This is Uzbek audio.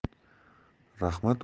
rahmat o'rniga yigitning yelkasiga